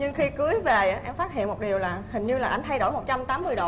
nhưng khi cưới về em phát hiện một điều là hình như là anh thay đổi một trăm tám mươi độ